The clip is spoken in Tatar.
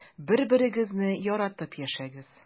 Бер-берегезне яратып яшәгез.